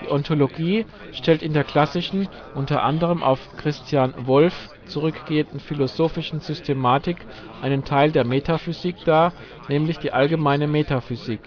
Die Ontologie stellt in der klassischen (u.a. auf Christian Wolff zurückgehenden) philosophischen Systematik einen Teil der Metaphysik dar, nämlich die allgemeine Metaphysik